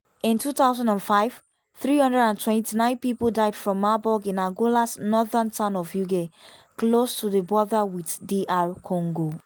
In 2005 329 people died from Marburg in Angola's northern town of Uige, close to the border with DR Congo.